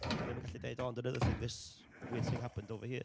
o'n i'm yn gallu deud, "oh, ond another thing, this weird thing happened over here".